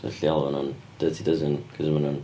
Alli 'di alw nhw'n dirty dozen achos mae nhw'n...